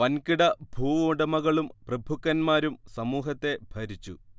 വൻകിട ഭൂവുടമകളും പ്രഭുക്കന്മാരും സമൂഹത്തെ ഭരിച്ചു